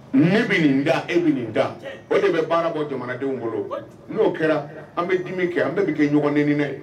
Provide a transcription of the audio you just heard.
Min bɛ nin da e bɛ nin da o de bɛ baara bɔ jamanadenw bolo n'o kɛra an bɛ dimi kɛ an bɛ bɛ kɛ ɲɔgɔnin dɛ